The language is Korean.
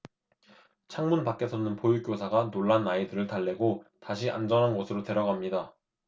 창문 밖에서는 보육교사가 놀란 아이들을 달래고 다시 안전한 곳으로 데려갑니다